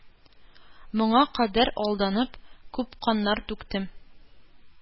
Моңа кадәр алданып, күп каннар түктем;